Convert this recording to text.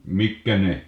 mitkä ne